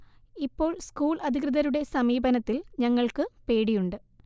ഇപ്പോൾ സ്കൂൾ അധികൃതരുടെ സമീപനത്തിൽ ഞങ്ങൾക്ക് പേടിയുണ്ട്